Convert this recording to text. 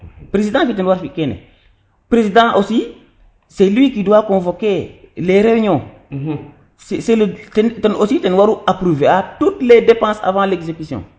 president ke den waru fi kene president aussi c' est lui qui doit convoquer les reunion ten aussi ten waru approuver a toute les depense apres l' execution